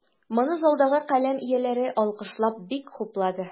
Моны залдагы каләм ияләре, алкышлап, бик хуплады.